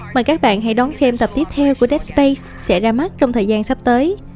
mời các bạn hãy đón xem tập tiếp theo của dead space sẽ ra mắt trong thời gian sắp tới